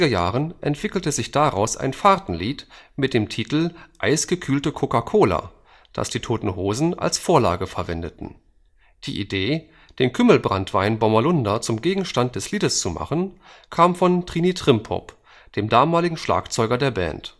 Jahren entwickelte sich daraus ein Fahrtenlied mit dem Titel Eisgekühlte Coca-Cola, das Die Toten Hosen als Vorlage verwendeten. Die Idee, den Kümmelbranntwein Bommerlunder zum Gegenstand des Liedes zu machen, kam von Trini Trimpop, dem damaligen Schlagzeuger der Band